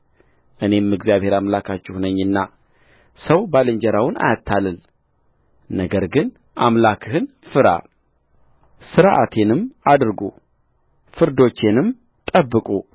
እኔም እግዚአብሔር አምላካችሁ ነኝና ሰው ባልንጀራውን አያታልል ነገር ግን አምላክህን ፍራሥርዓቴንም አድርጉ ፍርዶቼንም ጠብቁ